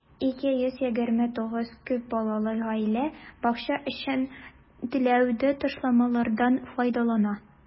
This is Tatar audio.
229 күп балалы гаилә бакча өчен түләүдә ташламалардан файдалана.